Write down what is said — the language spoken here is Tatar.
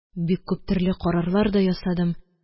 Бик күп төрле карарлар да ясадым.